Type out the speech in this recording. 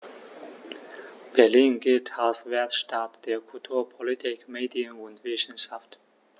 Berlin gilt als Weltstadt der Kultur, Politik, Medien und Wissenschaften.